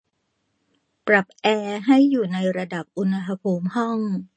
ปรับแอร์ให้อยู่ในระดับอุณหภูมิห้อง